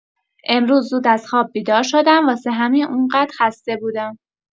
امروز زود از خواب بیدار شدم واسه همین انقد خسته بودم.